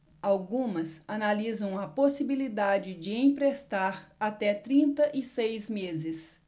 algumas analisam a possibilidade de emprestar até trinta e seis meses